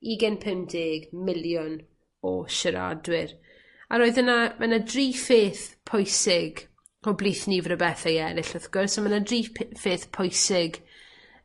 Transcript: ugen pum deg miliwn o siaradwyr a roedd yna my' 'ny dri pheth pwysig o blith nifer o bethe eryll wrth gwrs, on' my' 'ny dri p- pheth pwysig